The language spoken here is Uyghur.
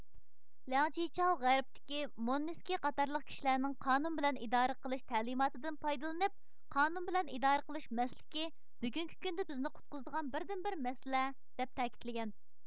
لياڭ چىچاۋ غەربتىكى موننېسكى قاتارلىق كىشىلەرنىڭ قانۇن بىلەن ئىدارە قىلىش تەلىماتىدىن پايدىلىنىپ قانۇن بىلەن ئىدارە قىلىش مەسلىكى بۈگۈنكى كۈندە بىزنى قۇتقۇزىدىغان بىردىنبىر مەسلە دەپ تەكىتلىگەن